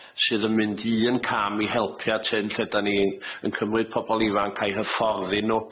sydd yn mynd un cam i helpu at hyn. Lle 'dan ni'n yn cymryd pobol ifanc a'u hyfforddi nw